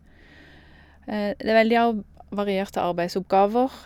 Det er veldig arb varierte arbeidsoppgaver.